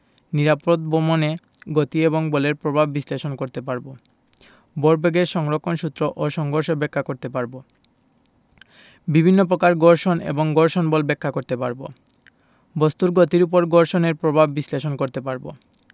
নিরাপদ ভমণে গতি এবং বলের প্রভাব বিশ্লেষণ করতে পারব ভরবেগের সংরক্ষণ সূত্র ও সংঘর্ষ ব্যাখ্যা করতে পারব বিভিন্ন পকার ঘর্ষণ এবং ঘর্ষণ বল ব্যাখ্যা করতে পারব বস্তুর গতির উপর ঘর্ষণের প্রভাব বিশ্লেষণ করতে পারব